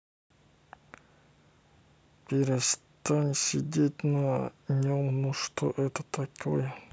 miri перестань сидеть на нем ну что это такое